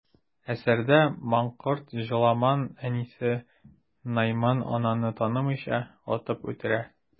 Әсәрдә манкорт Җоламан әнисе Найман ананы танымыйча, атып үтерә.